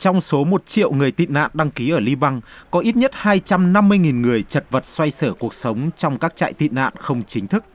trong số một triệu người tị nạn đăng ký ở li băng có ít nhất hai trăm năm mươi nghìn người chật vật xoay xở cuộc sống trong các trại tị nạn không chính thức